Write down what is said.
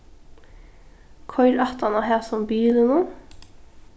koyr aftan á hasum bilinum